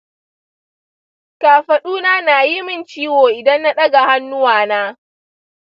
kafaduna na yi min ciwo idan na ɗaga hannuwana.